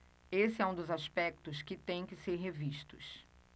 esse é um dos aspectos que têm que ser revistos